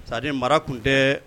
Sadi mara tun tɛ